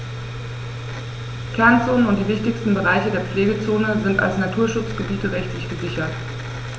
Kernzonen und die wichtigsten Bereiche der Pflegezone sind als Naturschutzgebiete rechtlich gesichert.